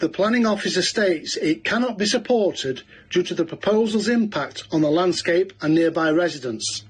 The planning officer states it cannot be supported due to the proposal's impact on the landscape and nearby residents.